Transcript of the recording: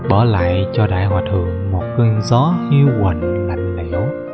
bỏ lại cho đại hòa thượng một cái gió hiu quạnh lạnh lẽo